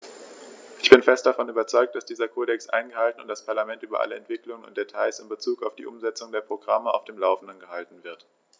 Ich bin fest davon überzeugt, dass dieser Kodex eingehalten und das Parlament über alle Entwicklungen und Details in bezug auf die Umsetzung der Programme auf dem laufenden gehalten wird.